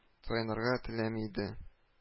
Таянырга теләми иде